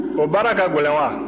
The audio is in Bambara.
o baara ka gɛlɛn wa